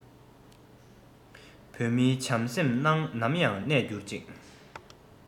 བོད མིའི བྱང སེམས ནམ ཡང གནས འགྱུར ཅིག